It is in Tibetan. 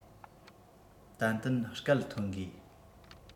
ཏན ཏན སྐད ཐོན དགོས